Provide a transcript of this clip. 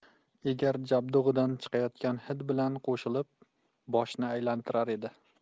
egar jabdug'idan chiqayotgan hid bilan qo'shilib boshni aylantirar edi